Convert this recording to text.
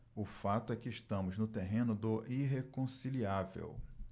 o fato é que estamos no terreno do irreconciliável